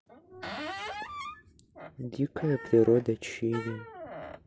дикая природа чили